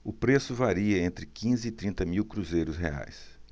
o preço varia entre quinze e trinta mil cruzeiros reais